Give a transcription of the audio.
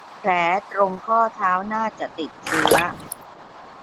แผลตรงข้อเท้าน่าจะติดเชื้อ